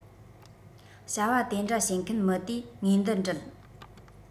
བྱ བ དེ འདྲ བྱེད མཁན མི དེ ངེས འདུ འདྲིལ